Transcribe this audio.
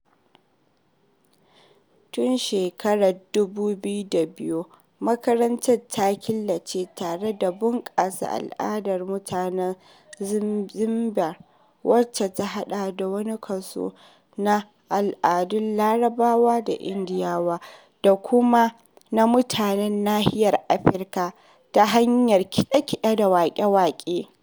Tun shekarar 2002, makarantar ta killace tare da bunƙasa al'adar mutanen Zanzibar wacce ta haɗa da wani kaso na al'adun Larabawa da Indiyawa da kuma na mutanen nahiyar Afrika ta hanyar kaɗe-kaɗe da waƙe-waƙe.